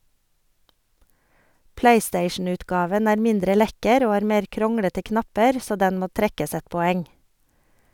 Playstationutgaven er mindre lekker og har mer kronglete knapper, så den må trekkes ett poeng.